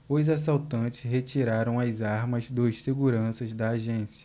os assaltantes retiraram as armas dos seguranças da agência